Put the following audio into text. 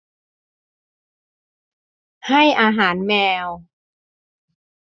ให้อาหารแมว